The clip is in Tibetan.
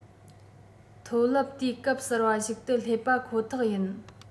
མཐོ རླབས དུས སྐབས གསར པ ཞིག ཏུ སླེབས པ ཁོ ཐག ཡིན